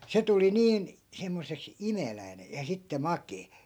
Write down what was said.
se tuli niin semmoiseksi imeläinen ja sitten makea